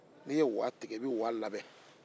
n'i ye waga tigɛ i bɛ waga labɛn